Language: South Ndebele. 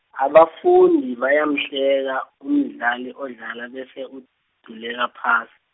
abafundi bayamhleka, umdlali odlala bese, uduleka phasi.